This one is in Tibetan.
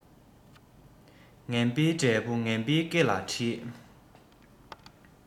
ངན པའི འབྲས བུ ངན པའི སྐེ ལ འཁྲིལ